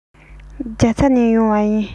རྒྱ ཚ ནས ཡོང བ ཡིན